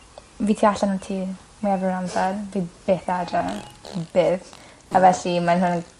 fi tu allan y tŷ ran fwya'r amser fi byth adre. Byth. A fellu mae nhw'n